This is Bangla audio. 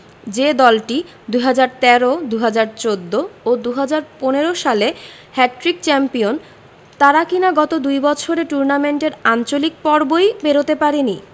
যে দলটি ২০১৩ ২০১৪ ও ২০১৫ সালে হ্যাটট্রিক চ্যাম্পিয়ন তারা কিনা গত দুই বছরে টুর্নামেন্টের আঞ্চলিক পর্বই পেরোতে পারেনি